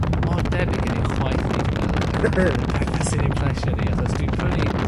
mor debyg yn ein chwath ni dwi meddwl... ... yn y pethe sy'n ein plesio ni achos dwi'n prynu